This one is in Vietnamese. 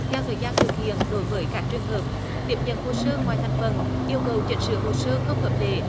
theo thời gian thực hiện đổi với các trường hợp tiếp nhận hồ sơ ngoài thành phần yêu cầu chỉnh sửa hồ sơ không hợp lệ